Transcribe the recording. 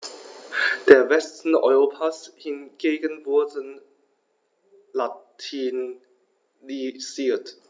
Der Westen Europas hingegen wurde latinisiert.